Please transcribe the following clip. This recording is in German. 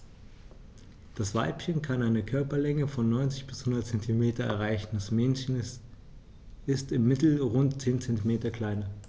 Das Weibchen kann eine Körperlänge von 90-100 cm erreichen; das Männchen ist im Mittel rund 10 cm kleiner.